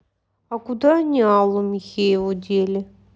а куда они аллу михееву дели